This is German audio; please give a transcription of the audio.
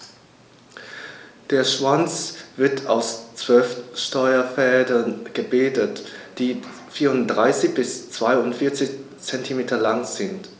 Der Schwanz wird aus 12 Steuerfedern gebildet, die 34 bis 42 cm lang sind.